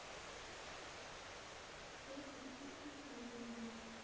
я хочу куклу лолу